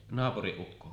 naapurin ukkoa